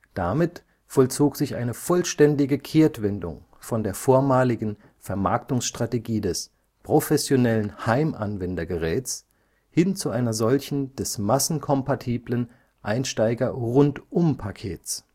Damit vollzog sich eine vollständige Kehrtwendung von der vormaligen Vermarktungsstrategie des „ professionellen Heimanwendergeräts “hin zu einer solchen des massenkompatiblen Einsteiger-Rundumpakets